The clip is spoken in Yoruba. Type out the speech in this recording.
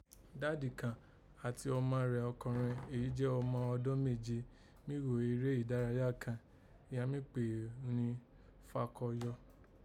Dádì kan àti ọma rẹ̀ okọ̀nrẹn èyí jẹ́ ọma ọdọ́n méje mí ghò eré ìdárayá kàn èyí án mí kpé ghun Fakọyọ